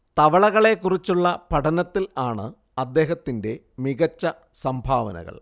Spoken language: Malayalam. തവളകളെക്കുറിച്ചുള്ള പഠനത്തിൽ ആണ് അദ്ദേഹത്തിന്റെ മികച്ച സംഭാവനകൾ